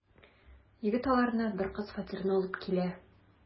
Егет аларны бер кыз фатирына алып килә.